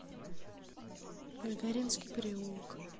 гагаринский переулок